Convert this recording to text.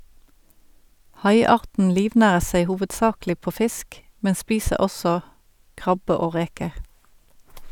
Haiarten livnærer seg hovedsaklig på fisk , men spiser også krabbe og reker.